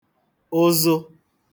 ụzụ